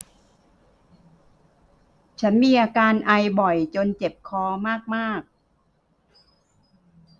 ฉันมีอาการไอบ่อยจนเจ็บคอมากมาก